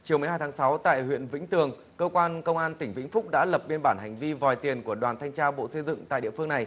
chiều mười hai tháng sáu tại huyện vĩnh tường cơ quan công an tỉnh vĩnh phúc đã lập biên bản hành vi vòi tiền của đoàn thanh tra bộ xây dựng tại địa phương này